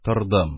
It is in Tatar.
Тордым.